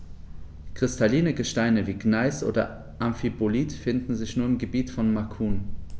Kristalline Gesteine wie Gneis oder Amphibolit finden sich nur im Gebiet von Macun.